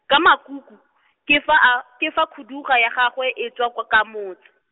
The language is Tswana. ka makuku , ke fa a, ke fa khuduga ya gagwe e tswa kwa ka motse.